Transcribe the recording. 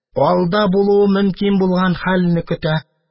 Алда булуы мөмкин булган хәлне көтә.